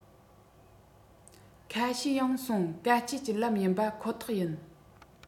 ཁ ཤས ཡང སོང དཀའ སྤྱད ཀྱི ལམ ཡིན པ ཁོ ཐག ཡིན